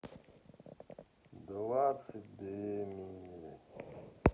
двадцать две мили